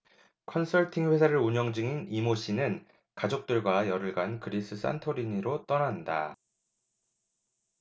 컨설팅 회사를 운영 중인 이 모 씨는 가족들과 열흘간 그리스 산토리니로 떠난다